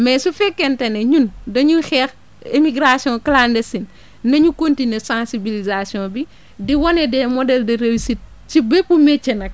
mais su fekkente ne ñun dañuy xeex imigration clandestine nañu continuer sensibilisation bi di wane des modèles de réussite :frasi bépp métier nag